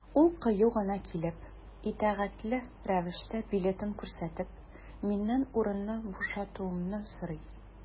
Ул кыю гына килеп, итәгатьле рәвештә билетын күрсәтеп, миннән урынны бушатуымны сорый.